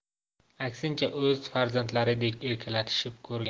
aksincha o'z farzandlaridek erkalatishib ko'rgan